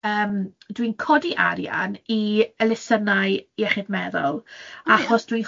yym dwi'n codi arian i elusennau iechyd meddwl... O ie ...achos dwi'n